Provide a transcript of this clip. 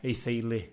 Ei theulu.